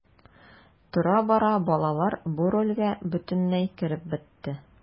Тора-бара балалар бу рольгә бөтенләй кереп бетте.